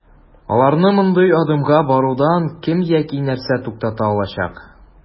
Аларны мондый адымга барудан кем яки нәрсә туктата алачак?